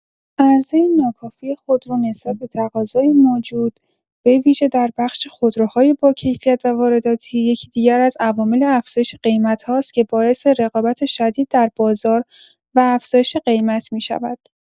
عرضه ناکافی خودرو نسبت به تقاضای موجود، به‌ویژه در بخش خودروهای باکیفیت و وارداتی، یکی دیگر از عوامل افزایش قیمت‌هاست که باعث رقابت شدید در بازار و افزایش قیمت می‌شود.